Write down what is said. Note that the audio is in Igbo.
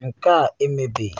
Nke ahụ emebeghị.